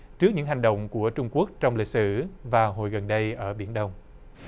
trước những hành động của trung quốc trong lịch sử và hội gần đây ở biển đông